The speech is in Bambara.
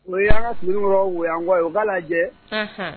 O y'an ka Sebenikɔrɔ Woyowayankɔ ye o ka lajɛ. Anhan!